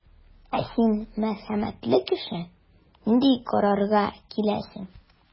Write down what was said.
Ә син, мәрхәмәтле кеше, нинди карарга киләсең?